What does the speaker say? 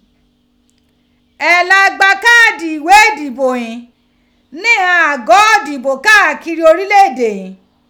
Ẹ la gba káàdì ìghé ìdìbo ghin ní ighan àgọ́ ìdìbò káàkiri orílẹ̀ èdè yìí.